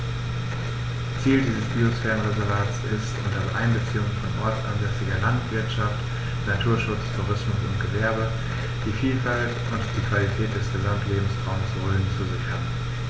Ziel dieses Biosphärenreservates ist, unter Einbeziehung von ortsansässiger Landwirtschaft, Naturschutz, Tourismus und Gewerbe die Vielfalt und die Qualität des Gesamtlebensraumes Rhön zu sichern.